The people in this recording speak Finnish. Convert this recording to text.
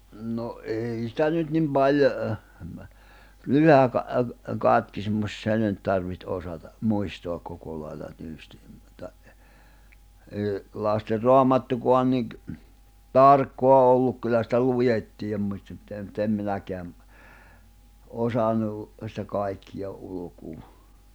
no ei sitä nyt niin paljon - Lyhyt - Katkismus se nyt tarvitsi osata muistaa koko lailla tyystin mutta ei Lasten Raamattukaan niin tarkkaa ollut kyllä sitä luettiin mutta en minäkään osannut sitä kaikkea ulkoa